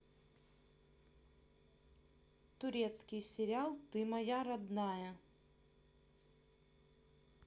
турецкий сериал ты моя родина